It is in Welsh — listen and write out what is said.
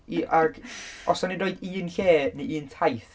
I- ag, os o'n i'n rhoid un lle neu un taith...